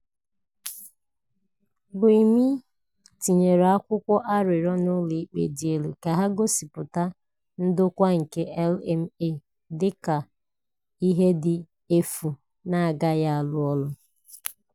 Gyumi tinyere akwụkwọ arịrịọ n'Ụlọikpe Dị Elu ka ha gosipụta ndokwa nke LMA dị ka ihe dị efu na-agaghị arụ ọrụ.